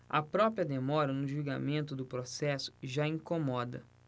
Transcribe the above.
a própria demora no julgamento do processo já incomoda